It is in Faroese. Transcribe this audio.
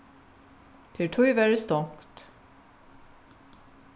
tað er tíverri stongt